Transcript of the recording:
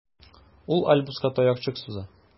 Ул Альбуска таякчык суза.